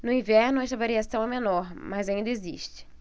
no inverno esta variação é menor mas ainda existe